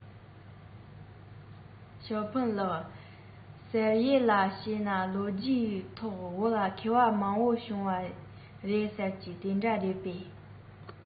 ཞའོ ཧྥུང ལགས ཟེར ཡས ལ བྱས ན ལོ རྒྱུས ཐོག བོད ལ མཁས པ མང པོ བྱུང བ རེད ཟེར གྱིས དེ འདྲ རེད པས